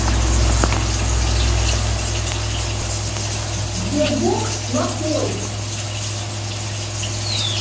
sberbox плохой